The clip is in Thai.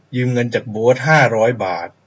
ยืมเงินจากโบ๊ทห้าร้อยบาท